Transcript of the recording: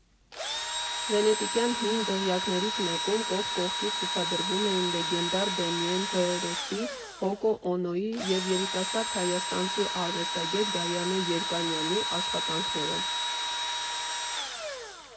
Վենետիկյան հին դղյակներից մեկում կողք կողքի ցուցադրվում էին լեգենդար Դեմիեն Հըրսթի, Յոկո Օնոյի և երիտասարդ հայաստանցի արվեստագետ Գայանե Երկանյանի աշխատանքները։